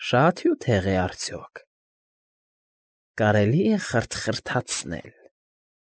Շ֊շա՞տ հյութեղ է արդյոք։ Կարելի՞ է խ֊խ֊խրթ֊խրթացնել։